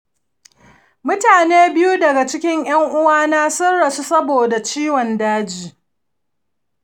mutane biyu daga cikin ƴan-uwana sun rasu saboda ciwon daji